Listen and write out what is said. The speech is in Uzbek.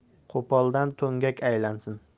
qo'poldan to'ngak aylansin